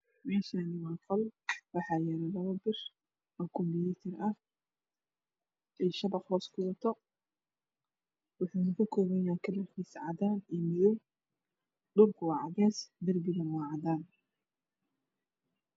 Meeshaan waa qol waxaa yaalo labo bir oo kumiiter ah iyo shabaq hoos kuwadato kalarkiisu waxuu ka kooban yahay Madow iyo cadaan. Dhulkana waa cadeys. darbigana waa cadaan.